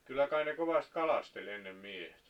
kyllä kai ne kovasti kalasteli ennen miehet